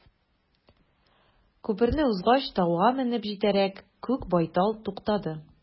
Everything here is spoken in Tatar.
Күперне узгач, тауга менеп җитәрәк, күк байтал туктады.